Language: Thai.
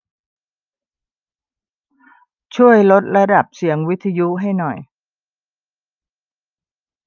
ช่วยลดระดับเสียงวิทยุให้หน่อย